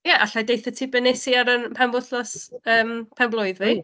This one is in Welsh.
Ie, alla i deutha ti be wnes i ar yn penwythos, yym, penblwydd fi.